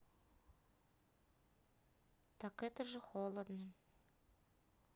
так это же холодно